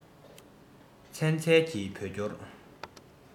ཚན རྩལ གྱི བོད སྐྱོར